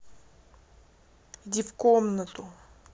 иди на комнату